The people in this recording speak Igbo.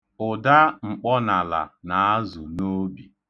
Ụda mkpọnala na-azụ n'obi.